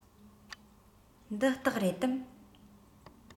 འདི སྟག རེད དམ